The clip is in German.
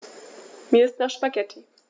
Mir ist nach Spaghetti.